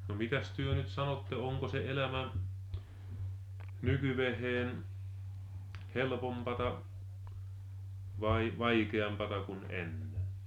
no mitäs te nyt sanotte onko se elämä nykyään helpompaa vai vaikeampaa kuin ennen